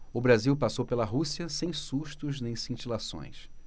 o brasil passou pela rússia sem sustos nem cintilações